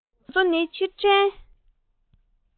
ད ཆ དེ ཚོ ནི ཕྱིར དྲན